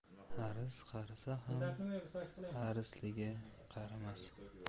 haris qarisa ham harisligi qarimas